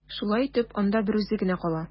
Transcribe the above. Шулай итеп, анда берүзе генә кала.